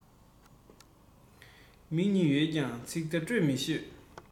མིག གཉིས ཡོད ཀྱང ཚིག བརྡ སྤྲོད མི ཤེས